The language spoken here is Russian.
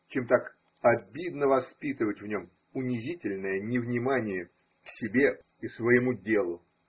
чем так обидно воспитывать в нем унизительное невнимание к себе и своему делу.